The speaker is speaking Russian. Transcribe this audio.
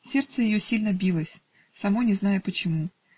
Сердце ее сильно билось, само не зная почему